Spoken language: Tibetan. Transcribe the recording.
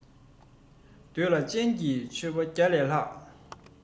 འདོད ལ ཅན གྱི ཆོས པ བརྒྱ ལ ལྷག